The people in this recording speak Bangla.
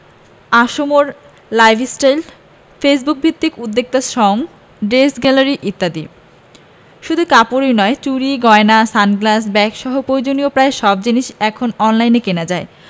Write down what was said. আসমোর লাইফস্টাইল ফেসবুকভিত্তিক উদ্যোক্তা সঙ ড্রেস গ্যালারি ইত্যাদি শুধু কাপড়ই নয় চুড়ি গয়না সানগ্লাস ব্যাগসহ প্রয়োজনীয় প্রায় সব জিনিস এখন অনলাইনে কেনা যায়